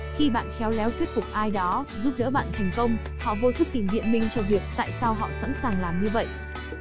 khi bạn khéo léo thuyết phục ai đó giúp đỡ bạn thành công họ vô thức tìm biện minh cho việc tại sao họ sẵn sàng làm như vậy